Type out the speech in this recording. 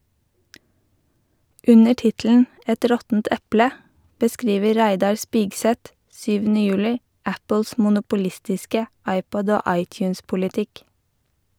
Under tittelen "Et råttent eple" beskriver Reidar Spigseth syvende juli Apples monopolistiske iPod- og iTunes-politikk.